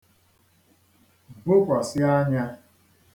bokwàsị anya